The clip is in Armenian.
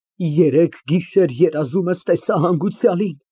Երեկ գիշեր երազումս տեսա հանգուցյալին։